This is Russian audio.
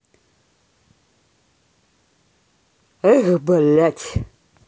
эх блять